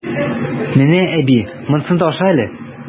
Менә, әби, монсын да аша әле!